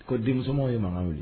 Ko denmusow ye man wuli